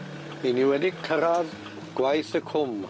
...ry'n ni wedi cyrradd gwaith y cwm.